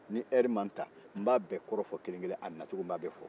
ni waati m'an ta n b'a bɛɛ kɔrɔ fɔ kelen-kelen a nacogo n b'a bɛɛ fɔ